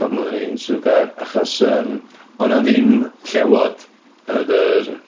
pan oedden ni'n Sŵ Gaer, achos, yym, oedd 'na ddim llewod yn yr...